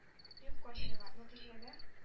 Юкка чыга, нәтиҗәдә